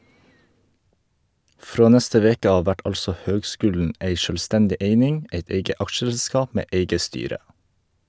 Frå neste veke av vert altså høgskulen ei sjølvstendig eining, eit eige aksjeselskap med eige styre.